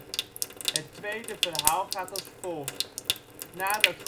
tweede verhaal gaat als volgt: Nadat